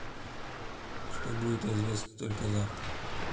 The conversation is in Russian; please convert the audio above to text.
что будет известно только завтра